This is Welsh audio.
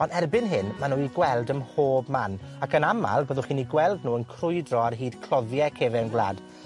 Ond erbyn hyn, ma' nw i gweld ym mhob man, ac yn amal byddwch chi'n 'u gweld nw yn crwydro ar hyd cloddie cefen gwlad.